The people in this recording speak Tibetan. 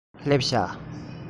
སླེབས བཞག